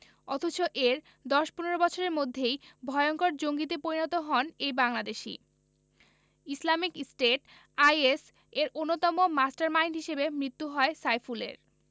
অথচ এর ১০ ১৫ বছরের মধ্যেই ভয়ংকর জঙ্গিতে পরিণত হন এই বাংলাদেশি ইসলামিক স্টেট আইএস এর অন্যতম মাস্টারমাইন্ড হিসেবে মৃত্যু হয় সাইফুলের